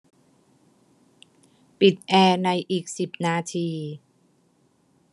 ปิดแอร์ในอีกสิบนาที